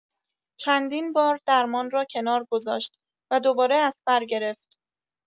چندین بار درمان را کنار گذاشت و دوباره از سر گرفت.